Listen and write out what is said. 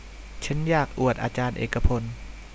ฉันอยากอวดอาจารย์เอกพล